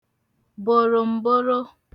bòròmboro